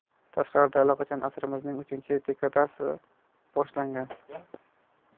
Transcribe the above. tashqarida allaqachon asrimizning uchinchi dekadasi boshlangan